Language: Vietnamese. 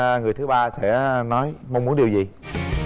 người thứ ba sẽ nói mong muốn điều gì